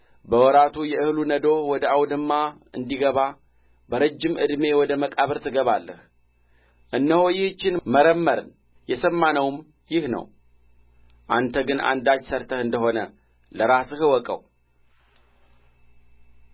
በወራቱ የእህሉ ነዶ ወደ አውድማ እንዲገባ በረጅም ዕድሜ ወደ መቃብር ትገባለህ እነሆ ይህችን መረመርን የሰማነውም ይህ ነው አንተ ግን አንዳች ሠርተህ እንደ ሆነ ለራስህ እወቀው